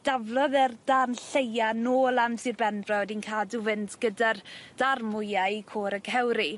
daflodd e'r darn lleia nôl am sir Benfro a wedyn cadw fynd gyda'r darn mwya i Côr y Cewri.